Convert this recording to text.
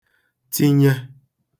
tinye